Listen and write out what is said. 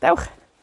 Dewch